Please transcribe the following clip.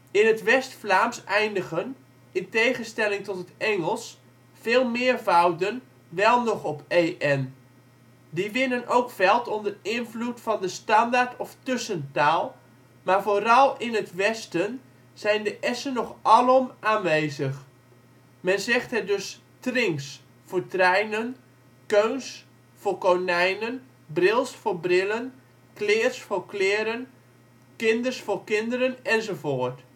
In het West-Vlaams eindigen, in tegenstelling tot het Engels, veel meervouden wel nog op – en. Die winnen ook veld onder invloed van de standaard - of tussentaal, maar vooral in het westen zijn de – s'en nog alom aanwezig. Men zegt er dus trings (treinen), keuns (konijnen), brils (brillen), kleers (kleren), kinders (kinderen) enzovoort